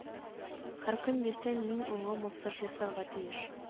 Һәркөн иртән мин аңа массаж ясарга тиеш